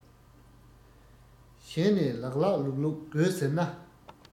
གཞན ནས ལགས ལགས ལུགས ལུགས དགོས ཟེར ན